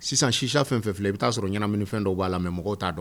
Sisan chichia fɛn fɛn filɛ, i b'a sɔrɔ ɲɛnamini fɛn dɔ b'a la mais mɔgɔ t'a dɔn.